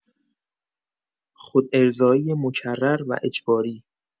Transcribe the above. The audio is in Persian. خودارضایی مکرر و اجباری